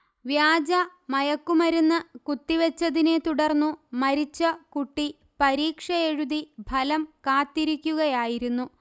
വ്യാജ മയക്കുമരുന്ന്കുത്തി വച്ചതിനെ തുടർന്നു മരിച്ച കുട്ടി, പരീക്ഷയെഴുതി ഫലം കാത്തിരിക്കുകയായിരുന്നു